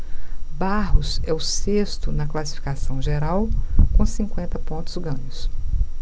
barros é o sexto na classificação geral com cinquenta pontos ganhos